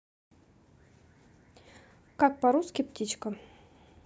как по русски птичка